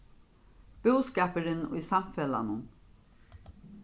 búskapurin í samfelagnum